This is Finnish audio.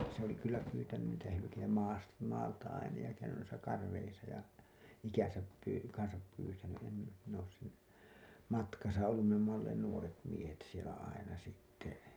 se oli kyllä pyytänyt niitä hylkeitä - maalta aina ja käynyt noissa kareissa ja ikänsä - kanssa pyytänyt en minä olen sen matkassa ollut me olemme olleet nuoret miehet siellä aina sitten